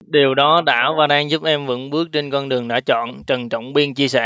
điều đó đã và đang giúp em vững bước trên con đường đã chọn trần trọng biên chia sẻ